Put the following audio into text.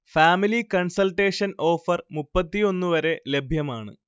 family consultation offer മുപ്പത്തിയൊന്നു വരെ ലഭ്യമാണ്